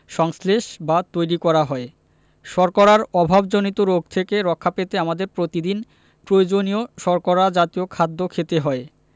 সংশ্লেষ বা তৈরী করা হয় শর্করার অভাবজনিত রোগ থেকে রক্ষা পেতে আমাদের প্রতিদিন প্রয়োজনীয় শর্করা জাতীয় খাদ্য খেতে হয়